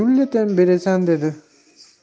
byulleten berasan deydi